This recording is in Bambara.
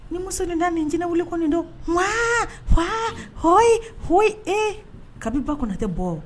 Ni musosonin da min jinɛinɛ wele kɔni don wa fa h h e kabi ba kɔnɔ tɛ bɔ